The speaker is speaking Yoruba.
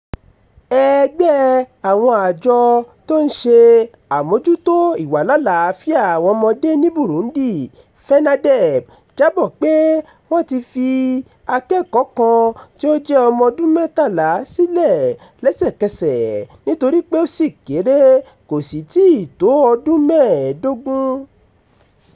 Ẹgbẹ́ Àwọn Àjọ tí ó ń ṣe Àmójútó ìwàlálàáfíà Àwọn ọmọdé ní Burundi (FENADEB) jábọ̀ pé wọ́n ti fi akẹ́kọ̀ọ́ kan tí ó jẹ́ ọmọ ọdún mẹ́tàlá sílẹ̀ lẹ́sẹkẹsẹ̀ nítorí pé ó ṣì kéré, kò sì tí ì tó ọdún mẹ́ẹ̀dógún.